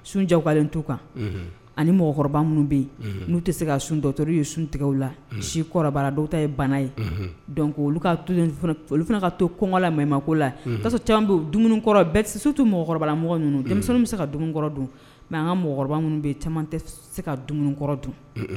Suncɛkalen tuu kan ani mɔgɔkɔrɔba minnu bɛ yen n'u tɛ se ka sun dɔto ye suntigɛ la si kɔrɔbara dɔw ta ye bana ye dɔnku ko olu olu fana ka to kɔn la ma ma ko lasɔ caman bɛ dumunikɔrɔ bɛɛ sutu mɔgɔkɔrɔbamɔgɔ ninnu denmisɛnnin bɛ se ka dumkɔrɔ dun mɛ an ka mɔgɔ minnu se ka dumunikɔrɔ dun